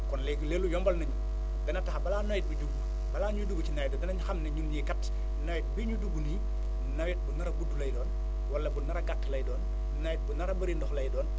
kon léegi loolu yombal na ñu ko dana tax balaa nawet bi dugg balaa ñuy dugg ci nawet bi danañ xam ne ñun ñii kat nawet bi ñu dugg nii nawet bu nar a gudd lay doon wqala bu nar a gàtt lay doon nawet bu nar a bëri ndox lay doon